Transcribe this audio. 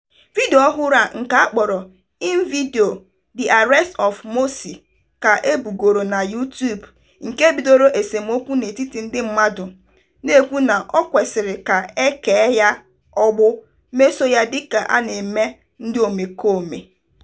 Vidiyo ọhụrụ a, nke a kpọrọ "In Video, The Arrest of Morsi", ka e bugoro na YouTube nke bidoro esemokwu n'etiti ndị mmadụ [ar] na-ekwu na "o" kwesịrị ka e kee ya ọgbụ "meso ya dịka a na-eme ndị omekome."